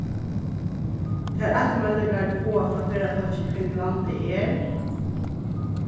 tær afturmeldingar vit fáa frá ferðafólki kring landið er